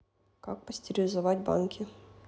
как пастеризовать банки